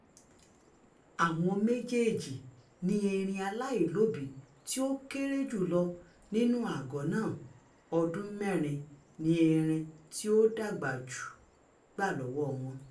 Àwọn méjèèjì ni erin aláìlóbìíi tí ó kéré jù lọ nínú àgọ́ náà; ọdún mẹ́rin ni erin tí ó dàgbà jù gbà lọ́wọ́ọ wọn.